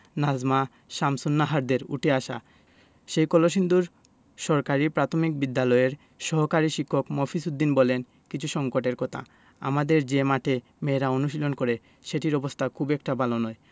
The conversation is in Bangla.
নাজমা শামসুন্নাহারদের উঠে আসা সেই কলসিন্দুর সরকারি প্রাথমিক বিদ্যালয়ের সহকারী শিক্ষক মফিজ উদ্দিন বললেন কিছু সংকটের কথা আমাদের যে মাঠে মেয়েরা অনুশীলন করে সেটির অবস্থা খুব একটা ভালো নয়